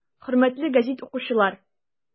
Хөрмәтле гәзит укучылар!